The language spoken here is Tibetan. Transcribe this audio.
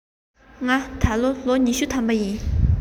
ང ད ལོ ལོ ཉི ཤུ ཐམ པ རེད